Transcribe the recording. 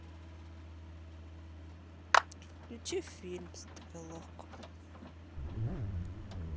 включи фильм стрелок